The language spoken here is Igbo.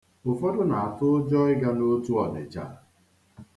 Ụfọdụ na-atụ ụjọ ịga n'Otu Ọnịcha